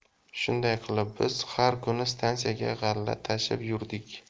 shunday qilib biz har kuni stansiyaga g'alla tashib yurdik